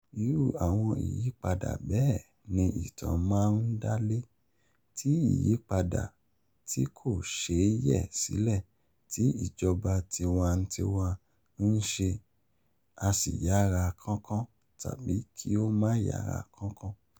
Irú àwọn ìyípadà bẹ́ẹ̀ ni ìtàn máa ń dá lé, tí ìyípadà tí kò ṣeé yẹ̀ sílẹ̀ tí ìjọba tiwa-n-tiwa ń ṣe á sì yára kánkán tàbí kí ó máa yára kánkán.